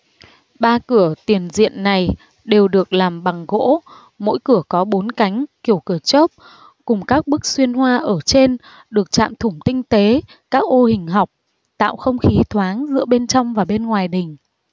ba cửa tiền diện này đều được làm bằng gỗ mỗi cửa có bôn cánh kiểu cửa chớp cùng các bức xuyên hoa ở trên được chạm thủng tinh tế các ô hình học tạo không khí thoáng giữa bên trong và bên ngoài đình